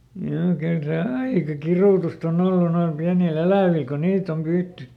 joo kyllä se aika kidutusta on ollut noilla pienillä elävillä kun niitä on pyydetty